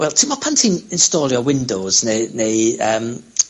wel, t'mo' pan ti'n instalio Windows neu neu yym, ...